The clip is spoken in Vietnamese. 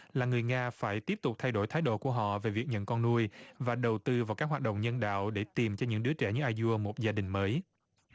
là người nga phải tiếp tục thay đổi thái độ của họ về việc nhận con nuôi và đầu tư vào các hoạt động nhân đạo để tìm cho những đứa trẻ như a rua một gia đình mới